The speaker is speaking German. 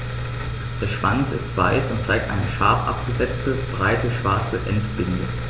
Der Schwanz ist weiß und zeigt eine scharf abgesetzte, breite schwarze Endbinde.